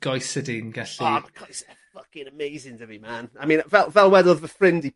...goese di'n gallu... O ma' coese ffycin amazing 'da fi man. I mean fel fel wedodd fy ffrind i...